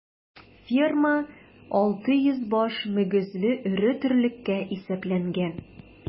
Ферма 600 баш мөгезле эре терлеккә исәпләнгән.